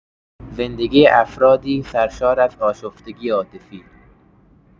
زندگی افرادی سرشار از آشفتگی عاطفی